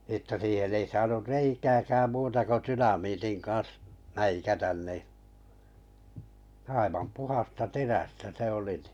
että siihen ei saanut reikääkään muuta kuin dynamiitin kanssa mäikätä niin aivan puhdasta terästä se oli niin